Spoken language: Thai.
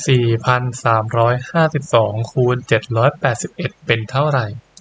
สี่พันสามร้อยห้าสิบสองคูณเจ็ดร้อยแปดสิบเอ็ดเป็นเท่าไร